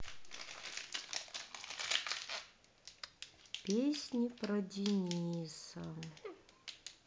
песни про дениса